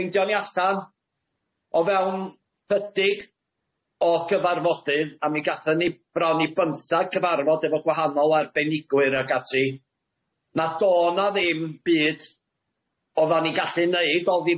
Ffeindion ni allan o fewn pydig o gyfarfodydd a mi gathon ni bron i bynthag cyfarfod efo gwahanol arbenigwyr ac ati na do na ddim byd oddan ni gallu neud oddi